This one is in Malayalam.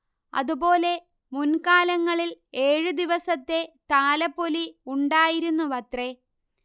അതുപോലെ മുൻ കാലങ്ങളിൽ ഏഴ് ദിവസത്തെ താലപ്പൊലി ഉണ്ടായിരുന്നുവത്രെ